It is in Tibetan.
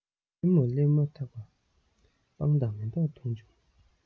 རྩེ མོར སླེབས མ ཐག པ སྤང དང མེ ཏོག མཐོང བྱུང